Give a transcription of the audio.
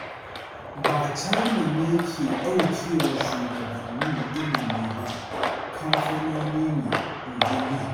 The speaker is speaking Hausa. “Ba China ne ke ɗaukewa shugabannin ilmi ba; kamfanoni ne,” inji Lee.